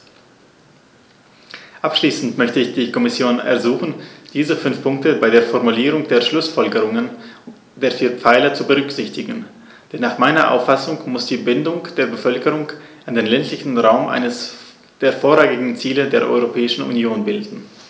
Abschließend möchte ich die Kommission ersuchen, diese fünf Punkte bei der Formulierung der Schlußfolgerungen der vier Pfeiler zu berücksichtigen, denn nach meiner Auffassung muss die Bindung der Bevölkerung an den ländlichen Raum eines der vorrangigen Ziele der Europäischen Union bilden.